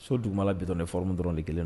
So dugumana beton de forme dɔrɔnw de kɛlen don.